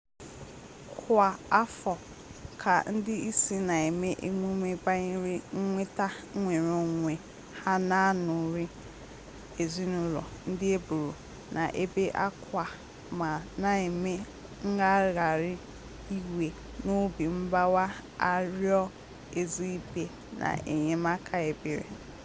Kwa afọ, ka ndị isi na-eme emume banyere nnweta nnwereonwe ha n'aṅụrị, ezinụlọ ndị e gburu na-ebe akwa ma na-eme ngagharị iwe n'obi mgbawa arịọ eziikpe na enyemaka ebere.